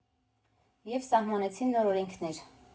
Եվ սահմանվեցին նոր օրենքներ։